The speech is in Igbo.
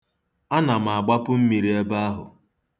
Ana m agbapu mmiri ebe ahụ.